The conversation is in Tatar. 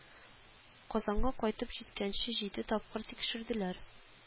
Казанга кайтып җиткәнче җиде тапкыр тикшерделәр